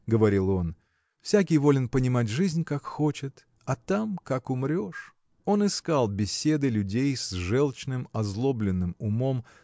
– говорил он, – всякий волен понимать жизнь, как хочет а там, как умрешь. Он искал беседы людей с желчным озлобленным умом